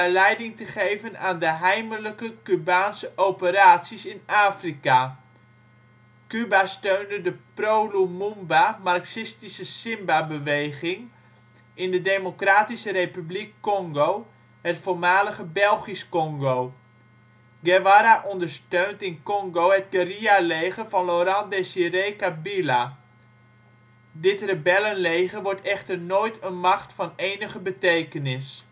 leiding te geven aan de heimelijke Cubaanse operaties in Afrika. Cuba steunde de pro-Lumumba Marxistische Simba-beweging in de Democratische Republiek Congo (het voormalige Belgisch-Kongo). Guevara ondersteunt in Congo het guerrillaleger van Laurent-Desiré Kabila. Dit rebellenleger wordt echter nooit een macht van enige betekenis